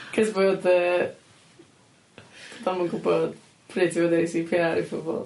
Kid mwy fatha 'di o'm yn gwbod pryd ti fod neud See Pee Are i pobol.